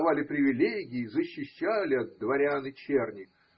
Давали привилегии, защищали от дворян и черни